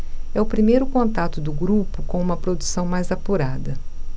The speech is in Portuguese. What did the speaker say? é o primeiro contato do grupo com uma produção mais apurada